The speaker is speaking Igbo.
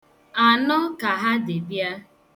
Anọ ka ha dị bịa.